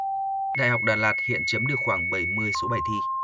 đại học đà lạt hiện chấm được khoảng bảy mươi số bài thi